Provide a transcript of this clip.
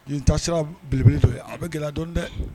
Nin tasira beleb don ye a bɛ gɛlɛyadon dɛ